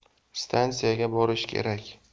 stansiyaga borish kerak